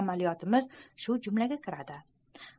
amaliyotimiz shu jumlaga kiradi